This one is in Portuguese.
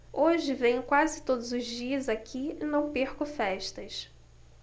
hoje venho quase todos os dias aqui e não perco festas